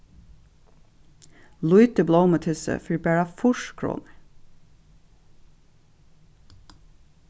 lítið blómutyssi fyri bara fýrs krónur